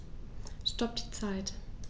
Stopp die Zeit